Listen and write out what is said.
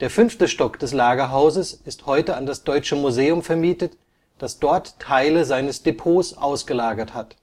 fünfte Stock des Lagerhauses ist heute an das Deutsche Museum vermietet, das dort Teile seines Depots ausgelagert hat